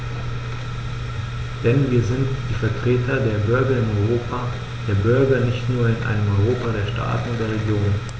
Denn wir sind die Vertreter der Bürger im Europa der Bürger und nicht nur in einem Europa der Staaten und der Regionen.